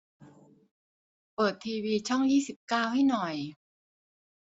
เปิดทีวีช่องยี่สิบเก้าให้หน่อย